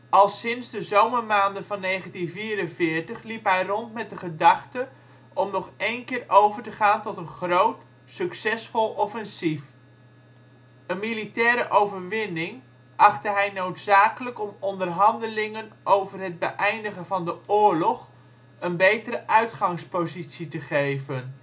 Al sinds de zomermaanden van 1944 liep hij rond met de gedachte om nog één keer over te gaan tot een groot, succesvol offensief. Een militaire overwinning achtte hij noodzakelijk om onderhandelingen over het beëindigen van de oorlog een betere uitgangspositie te geven